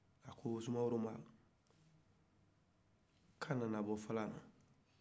a ko sumaworo ma k'a nana bɔ tun la wa